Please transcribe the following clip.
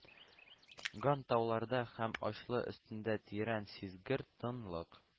Ган, тауларда һәм ачлы өстендә тирән, сизгер тынлык